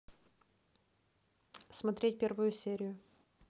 смотреть первую серию